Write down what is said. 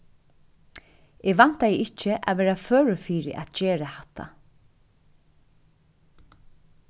eg væntaði ikki at vera førur fyri at gera hatta